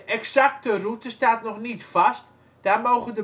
exacte route staat nog niet vast, daar mogen